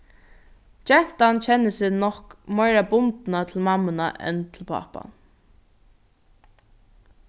gentan kennir seg nokk meira bundna til mammuna enn til pápan